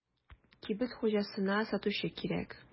Кибет хуҗасына сатучы кирәк.